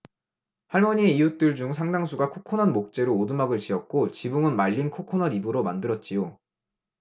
할머니의 이웃들 중 상당수가 코코넛 목재로 오두막을 지었고 지붕은 말린 코코넛 잎으로 만들었지요